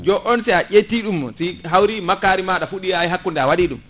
jon on si a ƴetti ɗum si hawri makkari maɗa fuɗi ha ye hakkude a waɗi ɗum